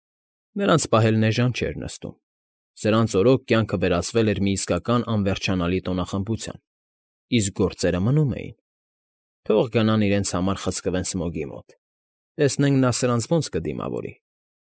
Նրանց պահել էժան չէր նստում, սրանց օրոք կյանքը վերածվել էր մի իսկական անվերջանալի տոնախմբության, իսկ գործերը մնում էին։ «Թող գնան իրենց համար, խցկվեն Սմոգի մոտ, տեսնենք նա սրանց ոնց կդիմավորի»,֊